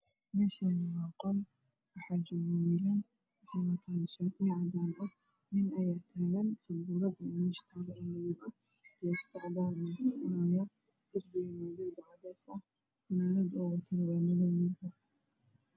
Meeshaan waa qol waxaa joogo wiilal waxay wataan shaati cadaan ah. Nin ayaa meesha taagan sabuurad madow ah na way taalaa, jeesto cadaan ahna gacanta uu kuhayaa. Darbiguna waa cadeys iyo madow. Fanaanada uu wato waa madow.